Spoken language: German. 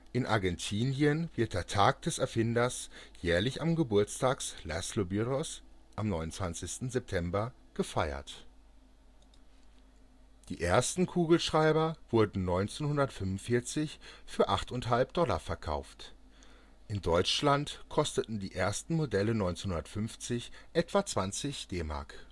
In Argentinien wird der Tag des Erfinders jährlich am Geburtstag László Birós (29. September) gefeiert. Die ersten Kugelschreiber wurden 1945 für 8,50 Dollar verkauft. In Deutschland kosteten die ersten Modelle 1950 etwa 20 DM